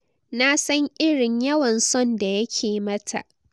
Nasan irin yawan son da yake mata.”